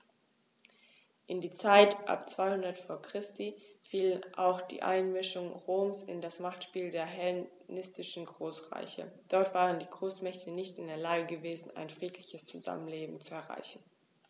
In die Zeit ab 200 v. Chr. fiel auch die Einmischung Roms in das Machtspiel der hellenistischen Großreiche: Dort waren die Großmächte nicht in der Lage gewesen, ein friedliches Zusammenleben zu erreichen.